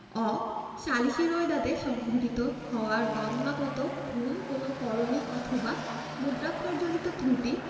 অ সালিসী রোয়েদাদে সংঘটিত হওয়া গণনাগত ভুল কোন করণিক অথবা মুদ্রাক্ষরজনিত ত্রুটি